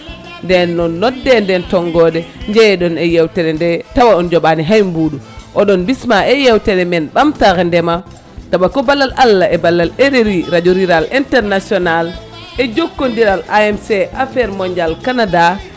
nden noon nodde nden tonggonde jeeyaɗon e yewtere nde tawa on jooɓani hay buuɗu oɗon bisma e yewtere me ɓamtare ndeema saabako ballal Allah e ballal RRI radio rural international e jokkodiral AMC affaire mondial Canada